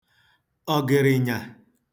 ọ̀gị̀rị̀nyà